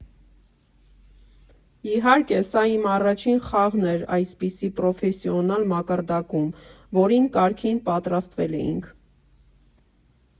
Իհարկե, սա իմ առաջին խաղն էր այսպիսի պրոֆեսիոնալ մակարդակում, որին կարգին պատրաստվել էինք։